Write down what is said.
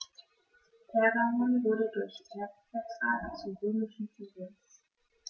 Pergamon wurde durch Erbvertrag zur römischen Provinz.